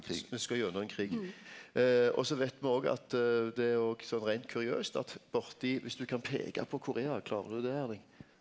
viss viss du skal gjennom ein krig og så veit me òg at det er òg sånn reint kuriøst at borti viss du kan peika på Korea klarar du det Erling?